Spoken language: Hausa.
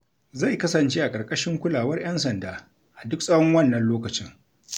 Zai kasance a ƙarƙashin kulawar 'yan sanda a duk tsawon wannan lokacin.